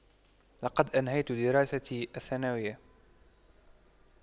لقد أنهيت دراستي الثانوية